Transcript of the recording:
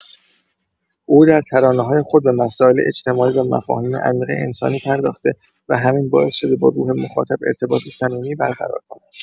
او در ترانه‌های خود به مسائل اجتماعی و مفاهیم عمیق انسانی پرداخته و همین باعث شده با روح مخاطب ارتباطی صمیمی برقرار کند.